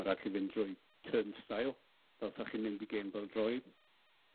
Ma' rai' chi fynd drwy turnstile, fel sa chi'n mynd i gem bel droed.